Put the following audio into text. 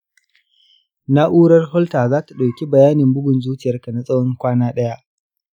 na’urar holter za ta ɗauki bayanin bugun zuciyarka na tsawon kwana ɗaya.